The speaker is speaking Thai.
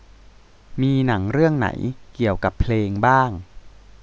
มีหนังเรื่องไหนเกี่ยวกับเพลงบ้าง